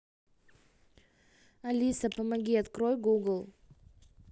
алиса помоги открой google